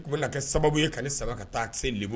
U be na kɛ sababu ye ka ne sama ka taa se lebu ma.